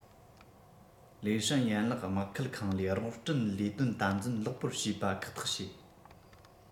ལེ ཧྲན ཡན ལག དམག ཁུལ ཁང ལས རོགས སྐྲུན ལས དོན དམ འཛིན ལེགས པོར བྱོས པ ཁག ཐག བྱོས